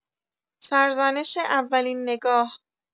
سرزنش اولین نگاه